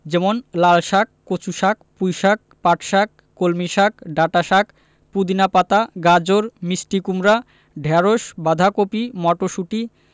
যেমন লালশাক কচুশাক পুঁইশাক পাটশাক কলমিশাক ডাঁটাশাক পুদিনা পাতা গাজর মিষ্টি কুমড়া ঢেঁড়স বাঁধাকপি মটরশুঁটি